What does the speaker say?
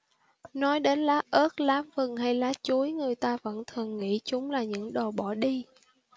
nói đến lá ớt lá vừng hay lá chuối người ta vẫn thường nghĩ chúng là những đồ bỏ đi